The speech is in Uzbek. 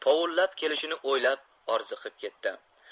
povillab kelishini o'ylab orziqib ketdi